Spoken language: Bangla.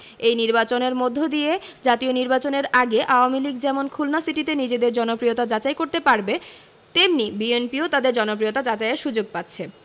এই নির্বাচনের মধ্য দিয়ে জাতীয় নির্বাচনের আগে আওয়ামী লীগ যেমন খুলনা সিটিতে নিজেদের জনপ্রিয়তা যাচাই করতে পারবে তেমনি বিএনপিও তাদের জনপ্রিয়তা যাচাইয়ের সুযোগ পাচ্ছে